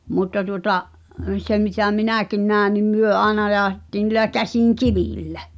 mutta tuota sen mitä minäkin näin niin me aina jauhettiin niillä käsinkivillä